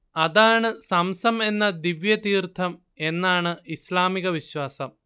അതാണ് സംസം എന്ന ദിവ്യതീർത്ഥം എന്നാണ് ഇസ്ലാമിക വിശ്വാസം